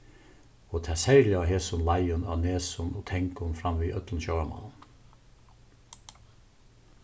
og tað serliga á hesum leiðum á nesum og tangum fram við øllum sjóvarmálanum